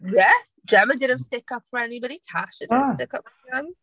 Yeah Gemma didn't stick up for anybody, Tasha... No. ...didn't stick up for them.